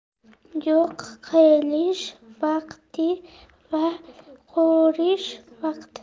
yo'q qilish vaqti va qurish vaqti